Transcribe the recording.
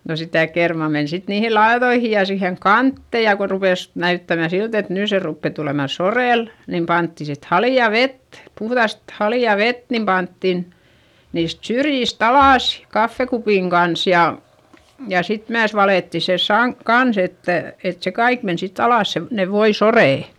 no sitä kermaa meni sitten niihin laitoihin ja siihen kanteen ja kun rupesi näyttämään siltä että nyt se rupeaa tulemaan soreelle niin pantiin sitten haleaa vettä puhdasta haleaa vettä niin pantiin niistä syrjistä alas kahvikupin kanssa ja ja sitten myös valettiin se - kanssa että että se kaikki meni sitten alas se ne voisoreet